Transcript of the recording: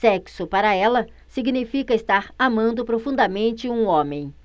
sexo para ela significa estar amando profundamente um homem